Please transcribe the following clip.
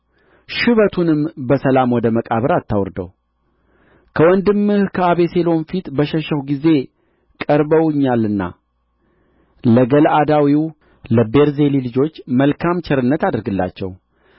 ሽበቱንም በሰላም ወደ መቃብር አታውርደው ከወንድምህ ከአቤሴሎም ፊት በሸሸሁ ጊዜ ቀርበውኛልና ለገለዓዳዊው ለቤርዜሊ ልጆች መልካም ቸርነት አድርግላቸው